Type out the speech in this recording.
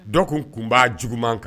Dɔw tun kun b'a jugu man kan